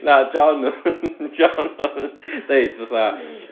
Na John o- John o'dd yn deud fatha